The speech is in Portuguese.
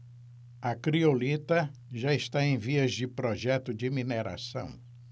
a criolita já está em vias de projeto de mineração